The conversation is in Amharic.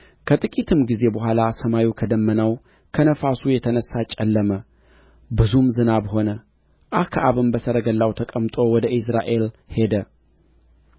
ከጥቂትም ጊዜ በኋላ ሰማዩ ከደመናውና ከነፋሱ የተነሣ ጨለመ ብዙም ዝናብ ሆነ አክዓብም በሰረገላው ተቀምጦ ወደ ኢይዝራኤል ሄደ